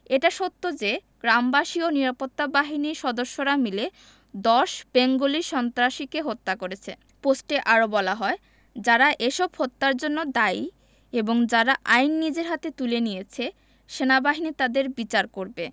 এটা সত্য যে গ্রামবাসী ও নিরাপত্তা বাহিনীর সদস্যরা মিলে ১০ বেঙ্গলি সন্ত্রাসীকে হত্যা করেছে পোস্টে আরো বলা হয় যারা এসব হত্যার জন্য দায়ী এবং যারা আইন নিজের হাতে তুলে নিয়েছে সেনাবাহিনী তাদের বিচার করবে